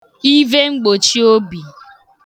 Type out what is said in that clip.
ivhemgbòchiobì